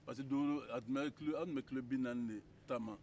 parce que don o don an tun bɛ kilo binaani de taa ma